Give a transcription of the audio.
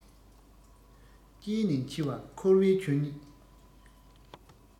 སྐྱེས ནས འཆི བ འཁོར བའི ཆོས ཉིད